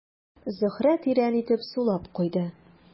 Зөһрә тирән итеп сулап куйды.